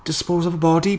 Dispose of a body?